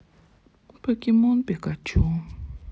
покемон пикачу